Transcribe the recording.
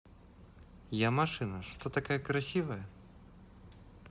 я машина что такая красивая